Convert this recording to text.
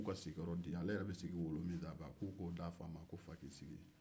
u ko ale yɛrɛ bɛ sigi wolo min sanfɛ u k'o di a fa ma